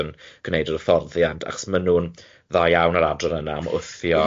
yn gwneud yr hyfforddiant, achos maen nhw'n dda iawn yr adran yna am wthio